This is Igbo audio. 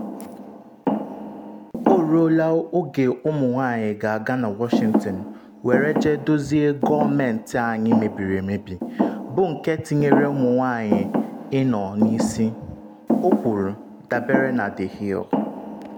“O ruola oge ụmụ-nwanyị ga-aga na Washington were jee dozie gọọmentị anyị mebiri emebi, bụ nke tinyere ụmụ-nwanyị ịnọ n’isi.” o kwuru, dabere na The Hill.